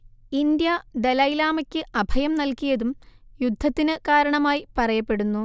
India ദലൈലാമക്ക് അഭയം നൽകിയതും യുദ്ധത്തിന് കാരണമായി പറയപ്പെടുന്നു